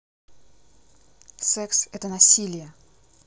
секс это насилие